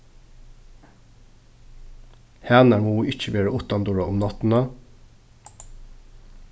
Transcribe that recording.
hanar mugu ikki vera uttandura um náttina